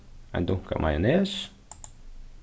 ein dunk majones